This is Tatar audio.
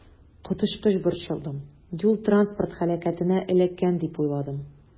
Коточкыч борчылдым, юл-транспорт һәлакәтенә эләккән дип уйладым.